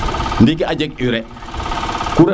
ndiki a jeg urée